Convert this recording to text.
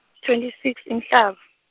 twenty six, Inhlaba.